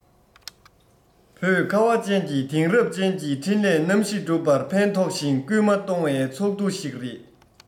བོད ཁ བ ཅན གྱིས དེང རབས ཅན གྱི འཕྲིན ལས རྣམ བཞི བསྒྲུབ པར ཕན ཐོགས ཤིང སྐུལ མ གཏོང བའི ཚོགས འདུ ཞིག རེད